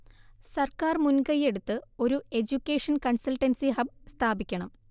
സർക്കാർ മുൻകൈയെടുത്ത് ഒരു എഡ്യൂക്കേഷൻ കൺസൾട്ടൻസി ഹബ് സ്ഥാപിക്കണം